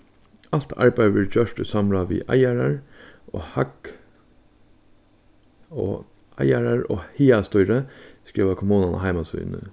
alt arbeiðið verður gjørt í samráð við eigarar og eigarar og hagastýrið skrivar kommunan á heimasíðuni